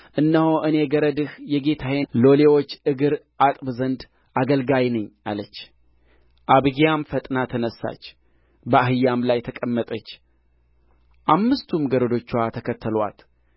እነሆ እኔ ገረድህ የጌታዬን ሎሌዎች እግር አጥብ ዘንድ አገልጋይ ነኝ አለች አቢግያም ፈጥና ተነሣች በአህያም ላይ ተቀመጠች አምስቱም ገረዶችዋ ተከተሉአት